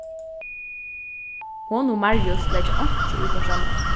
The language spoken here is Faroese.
hon og marius leggja einki í hvørt annað